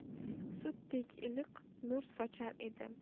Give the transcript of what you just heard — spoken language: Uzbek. sutdek iliq nur sochar edi